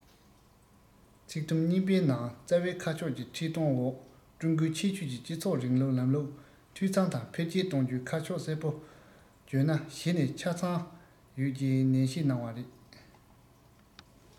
ཚིག དུམ གཉིས པའི ནང རྩ བའི ཁ ཕྱོགས ཀྱི ཁྲིད སྟོན འོག ཀྲུང གོའི ཁྱད ཆོས ཀྱི སྤྱི ཚོགས རིང ལུགས ལམ ལུགས འཐུས ཚང དང འཕེལ རྒྱས གཏོང རྒྱུའི ཁ ཕྱོགས གསལ པོ བརྗོད ན གཞི ནས ཆ ཚང ཡོད ཅེས ནན བཤད གནང བ རེད